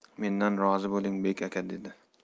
mendan rozi bo'ling bek aka dedi